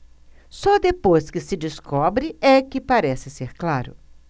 só depois que se descobre é que parece ser claro